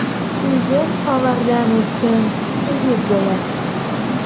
Үзен алардан өстен дип белә.